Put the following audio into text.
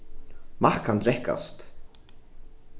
vatn kann drekkast